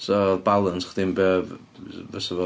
So oedd balans chdi'm be f- f- fysa fo?